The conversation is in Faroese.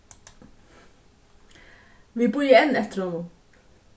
vit bíða enn eftir honum